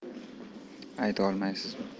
ayta olmaysizmi